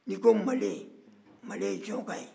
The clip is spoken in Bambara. n'i ko male male ye jɔka ye